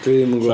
Dwi'm yn gwbod.